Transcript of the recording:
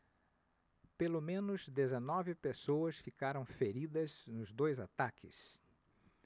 pelo menos dezenove pessoas ficaram feridas nos dois ataques